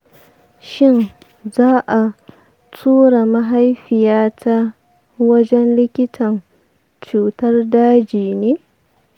shin za a tura mahaifiyata wajen likitan cutar daji ne?